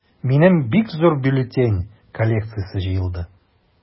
Минем бик зур бюллетень коллекциясе җыелды.